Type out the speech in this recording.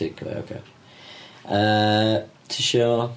Take away oce. Yy ti isio?